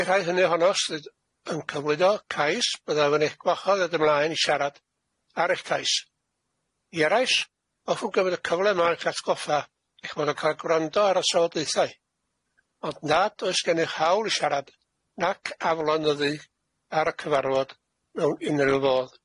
I rai hynny ohnno sydd yn cyflwyno cais byddaf yn eich gwahodd yn ymlaen i siarad ar eich cais. I eraill, hoffwn gyfnod y cyfle yma i'ch atgoffa eich bod yn cael gwrando ar y safodaethau, ond nad oes gennych hawl i siarad nac aflonyddu ar y cyfarfod mewn unrhyw fodd.